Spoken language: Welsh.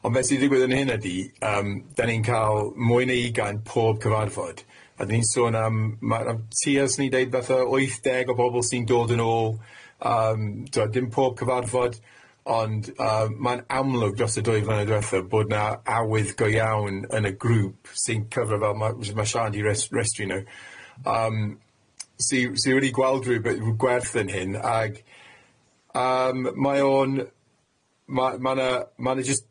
Ond be sy'n digwydd fan hyn ydi yym 'dan ni'n ca'l mwy na ugain pob cyfarfod, a 'dan ni'n sôn am ma' am tua 'swn i'n deud fatha wyth, deg o bobol sy'n dod yn ôl yym t'bod dim pob cyfarfod, ond yy ma'n amlwg dros y dwy flynedd dwetha bod 'na awydd go iawn yn y grŵp sy'n cyfro fel ma- ma' Siân di res- restru n'w yym sy- sy' wedi gweld ryw b- rw gwerth yn hyn ag yym mae o'n ma- ma' 'na ma' 'na jyst